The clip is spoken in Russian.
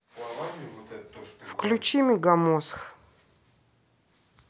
включи мегамозг